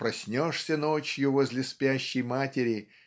проснешься ночью возле спящей матери